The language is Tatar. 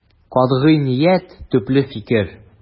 Катгый ният, төпле фикер.